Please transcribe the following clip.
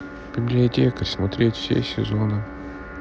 библиотекарь смотреть все сезоны